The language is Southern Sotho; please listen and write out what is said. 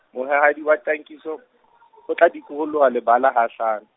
mohwehadi wa Tankiso , o tla dikoloha ha lebala ha hlano.